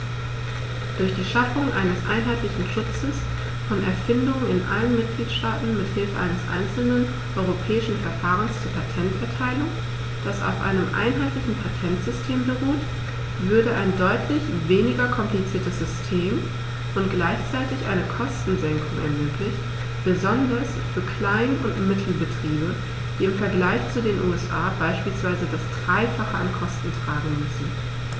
Durch die Schaffung eines einheitlichen Schutzes von Erfindungen in allen Mitgliedstaaten mit Hilfe eines einzelnen europäischen Verfahrens zur Patenterteilung, das auf einem einheitlichen Patentsystem beruht, würde ein deutlich weniger kompliziertes System und gleichzeitig eine Kostensenkung ermöglicht, besonders für Klein- und Mittelbetriebe, die im Vergleich zu den USA beispielsweise das dreifache an Kosten tragen müssen.